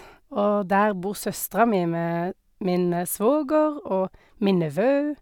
Og der bor søstera mi med min svoger og min nevø.